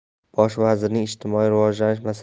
bosh vazirning ijtimoiy rivojlantirish